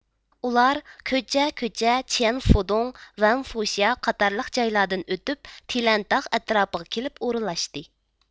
ئۇلار كۆچە كۆچە چيەنفۇدۇڭ ۋەنفوشيا قاتارلىق جايلاردىن ئۆتۈپ تىلەنتاغ ئەتراپىغا كېلىپ ئورۇنلاشتى